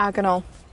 Ag yn ôl.